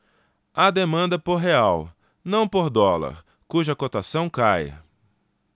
há demanda por real não por dólar cuja cotação cai